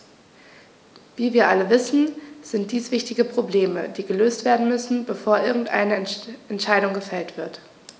Wie wir alle wissen, sind dies wichtige Probleme, die gelöst werden müssen, bevor irgendeine Entscheidung gefällt wird.